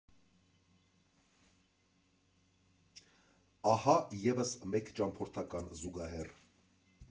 Ահա, ևս մեկ ճամփորդական զուգահեռ.